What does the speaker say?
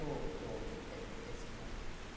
Do, do. Es es i draw i weld nhw.